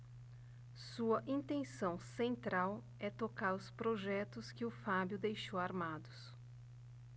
sua intenção central é tocar os projetos que o fábio deixou armados